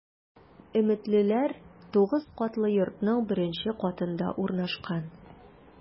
“өметлеләр” 9 катлы йортның беренче катында урнашкан.